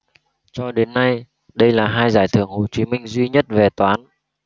cho đến nay đây là hai giải thưởng hồ chí minh duy nhất về toán